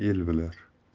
emas el bilar